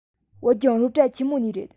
བོད ལྗོངས སློབ གྲྭ ཆེན མོ ནས རེད